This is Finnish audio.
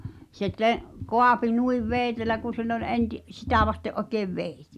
se - kaapi noin veitsellä kun sen oli - sitä vasten oikein veitsi